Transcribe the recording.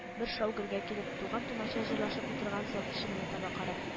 Бер шау-гөргә килеп туган-тумача җырлашып утырган зал ишегенә таба карап